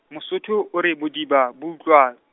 Mosotho o re bodiba bo utluwang.